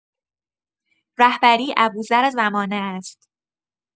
رهبری ابوذر زمانه است.